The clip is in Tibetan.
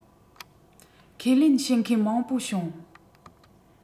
ཁས ལེན བྱེད མཁན མང པོ བྱུང